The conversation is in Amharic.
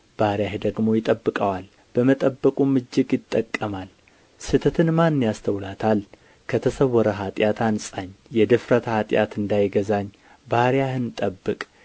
ባሪያህ ደግሞ ይጠብቀዋል በመጠበቁም እጅግ ይጠቀማል ስሕተትን ማን ያስተውላታል ከተሰወረ ኃጢአት አንጻኝ የድፍረት ኃጢአት እንዳይገዛኝ ባሪያህን ጠብቅ